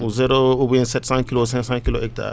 ba zero oubien sept cent kilos cinq cent kilos hectares